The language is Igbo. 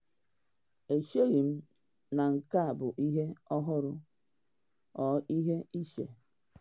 “Echeghị m na nke bụ ihe ọhụrụ, ọ ihe ị che?”